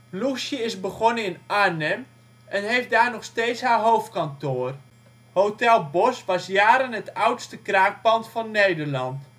Loesje is begonnen in Arnhem en heeft daar nog steeds haar hoofdkantoor. Hotel Bosch was jaren het oudste kraakpand van Nederland